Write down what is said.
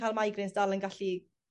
cal migraines dal yn gallu